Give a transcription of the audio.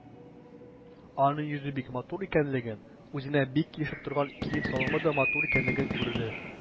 Аның йөзе бик матур икәнлеген, үзенә бик килешеп торган кием-салымы да матур икәнлеген күрде.